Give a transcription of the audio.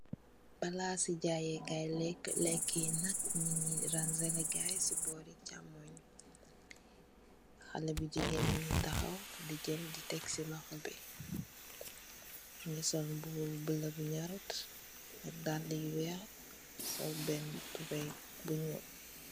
Palasi janyeh kai lekka, lekka yi nak ñi ngi ranseleh gayi si bóri camooy. Halè bu jigeen mugii taxaw di jél di tek ci loxo bi mugii sol mbuba bu bula bu ñorut, dalli yu wèèx sol benna tubay bu ñuul.